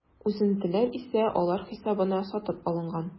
Үсентеләр исә алар хисабына сатып алынган.